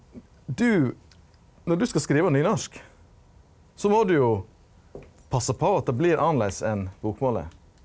du når du skal skriva nynorsk så må du jo passa på at det blir annleis enn bokmålet.